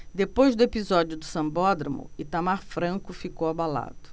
depois do episódio do sambódromo itamar franco ficou abalado